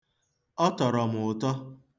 Ọ tọrọ m ụtọ.